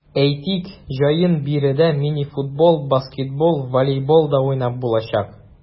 Әйтик, җәен биредә мини-футбол, баскетбол, волейбол да уйнап булачак.